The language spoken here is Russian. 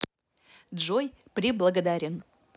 джой преблагодарен